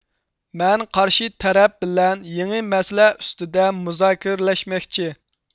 مەن قارشى تەرەپ بىلەن يېڭى مەسىلە ئۈستىدە مۇزاكىرىلەشمەكچى